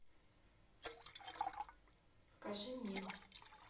покажи мне